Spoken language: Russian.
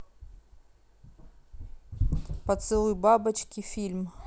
поцелуй бабочки фильм